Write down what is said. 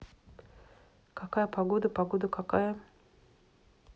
какая погода погода какая